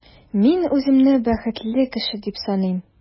Мин үземне бәхетле кеше дип саныйм.